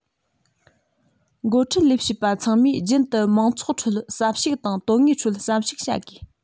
འགོ ཁྲིད ལས བྱེད པ ཚང མས རྒྱུན དུ མང ཚོགས ཁྲོད ཟབ ཞུགས དང དོན དངོས ཁྲོད ཟབ ཞུགས བྱེད དགོས